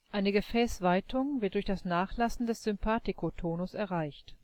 Eine Gefäßweitung wird durch Nachlassen des Sympathikotonus erreicht